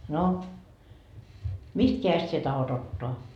no mistä kädestä sinä tahdot ottaa